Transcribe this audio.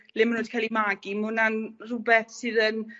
le ma' nw 'di ca'l 'u magu. Ma' wnna'n rwbeth sydd yn